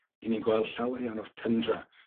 'yn ni'n gweld llawer iawn o'r tyndra